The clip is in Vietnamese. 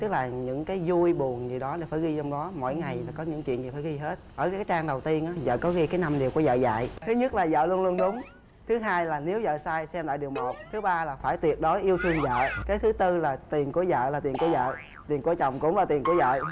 tức là những cái dui buồn gì đó là phải ghi trong đó mỗi ngày là có những chuyện gì phải ghi hết ở cái trang đầu tiên ớ dợ có ghi cái năm điều của dợ dạy thứ nhất là dợ luôn luôn đúng thứ hai là nếu dợ sai xem lại điều một thứ ba là phải tuyệt đối yêu thương dợ cái thứ tư là tiền của dợ là tiền của dợ tiền của chồng cũng là tiền của dợ